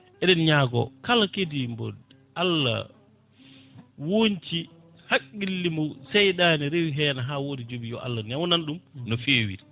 eɗen ñaago kala keeɗiɗo mbo Allah wonci haqqille mum seyɗade rewi hen ha woodi ko jogui yo Allah newnan ɗum no fewiri